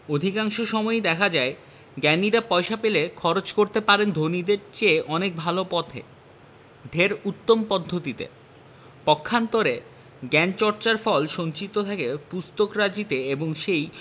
অধিকাংশ সময়েই দেখা যায় জ্ঞানীরা পয়সা পেলে খরচ করতে পারেন ধনীদের চেয়ে অনেক ভালো পথে ঢের উত্তম পদ্ধতিতে পক্ষান্তরে জ্ঞানচর্চার ফল সঞ্চিত থাকে পুস্তকরাজিতে এবং সে